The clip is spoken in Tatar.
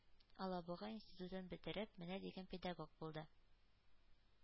Алабуга институтын бетереп, менә дигән педагог булды.